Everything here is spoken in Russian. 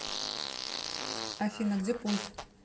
афина где пульт